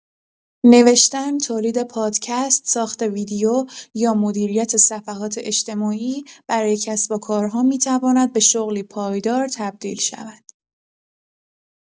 نوشتن، تولید پادکست، ساخت ویدیو یا مدیریت صفحات اجتماعی برای کسب‌وکارها می‌تواند به شغلی پایدار تبدیل شود.